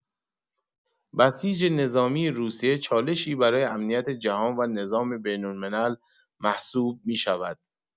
بسیج نظامی روسیه چالشی برای امنیت جهان و نظام بین‌الملل محسوب می‌شود.